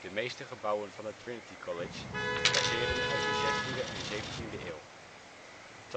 meeste gebouwen van het Trinity College dateren uit de 16e en 17e eeuw. Thomas